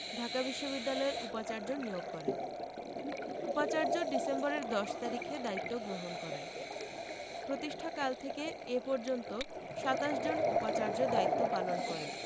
ঢাকা বিশ্ববিদ্যালয়ের উপাচার্য নিয়োগ করেন উপাচার্য ডিসেম্বরের ১০ তারিখে দায়িত্ব গ্রহণ করেন প্রতিষ্ঠাকাল থেকে এ পর্যন্ত ২৭ জন উপাচার্য দায়িত্ব পালন করেন